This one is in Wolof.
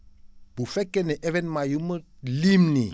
bu fekkee ne événements yu ma lim nii